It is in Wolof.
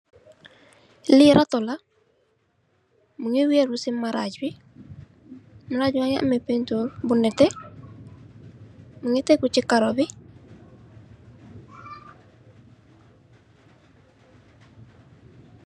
Li raatu, mungi wèrru ci maraj bi. Maraj ba ngi ameh penturr bu nètè. Mungi tègu ci karo bi.